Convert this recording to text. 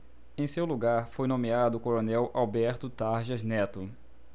em seu lugar foi nomeado o coronel alberto tarjas neto